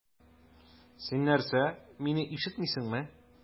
Син нәрсә, мине ишетмисеңме?